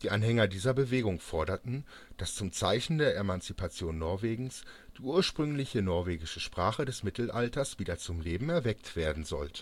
Anhänger dieser Bewegung forderten, dass zum Zeichen der Emanzipation Norwegens die ursprüngliche norwegische Sprache des Mittelalters wieder zum Leben erweckt werden solle